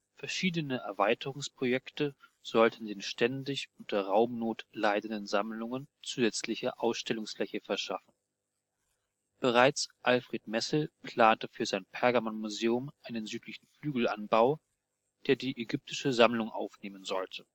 Verschiedene Erweiterungsprojekte sollten den ständig unter Raumnot leidenden Sammlungen zusätzliche Ausstellungsfläche verschaffen. Bereits Alfred Messel plante für sein Pergamonmuseum einen südlichen Flügelanbau, der die Ägyptische Sammlung aufnehmen sollte